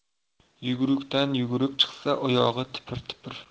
yugurukdan yuguruk chiqsa oyog'i tipir tipir